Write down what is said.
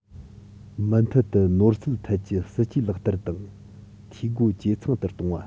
མུ མཐུད དུ ནོར སྲིད ཐད ཀྱི སྲིད ཇུས ལག བསྟར དང འཐུས སྒོ ཇེ ཚང དུ གཏོང བ